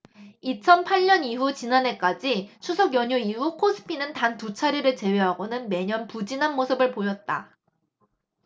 이천 팔 년 이후 지난해까지 추석 연휴 이후 코스피는 단 두 차례를 제외하고는 매년 부진한 모습을 보였다